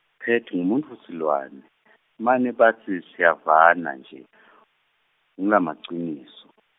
Pat ngumuntfusilwane, mane batsi siyavana nje , ngulamaciniso.